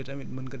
dëgg la